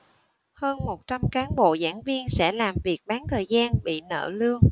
hơn một trăm cán bộ giảng viên sẽ làm việc bán thời gian bị nợ lương